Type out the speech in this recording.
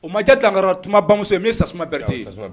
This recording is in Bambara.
U majɛ tankara kuma bamuso ye min bɛ sasuma bererɛte yen